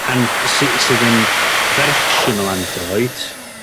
And- sy sydd yn fersiwn o Android